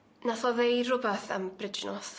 Nath o ddeu rwbeth am Bridgenorth.